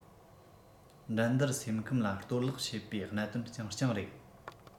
འགྲན བསྡུར སེམས ཁམས ལ གཏོར བརླག བྱེད པའི གནད དོན རྐྱང རྐྱང རེད